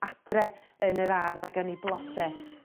adre yn yr ardd a gawn ni blode